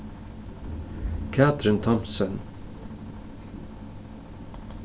katrin thomsen